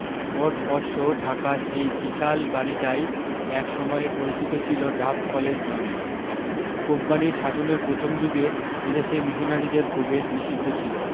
বট অশ্ব ঢাকা সেই বিশাল বাড়ীটাই এক সময়ে পরিচিত ছিল ডাফ কলেজ নামে কোম্পানির শাসনের প্রথম যুগে এদেশে মিশনারিদের প্রবেশ নিষিদ্ধ ছিল